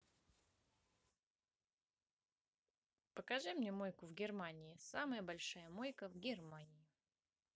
покажи мне мойку в германии самая большая мойка в германии